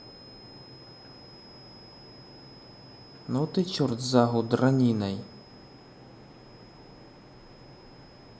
ну ты черт загу дрониной